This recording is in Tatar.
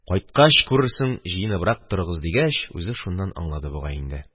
«кайткач күрерсең, җыеныбрак торыгыз», – дигәч, үзе шуннан аңлады бугай инде.